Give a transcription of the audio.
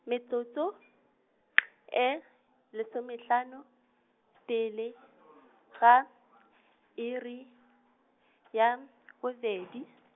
metsotso , e lesomehlano, pele , ga, iri , ya, bobedi.